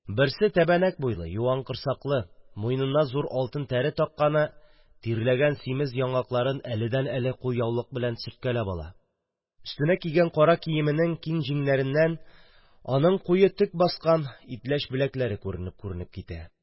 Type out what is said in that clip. Берсе – тәбәнәк буйлы, юан корсаклы, муенына зур алтын тәре такканы – тирләгән симез яңакларын әледән-әле кулъяулык белән сөрткәләп ала; өстенә кигән кара киеменең киң җиңнәреннән аның куе төк баскан итләч беләкләре күренеп-күренеп китә.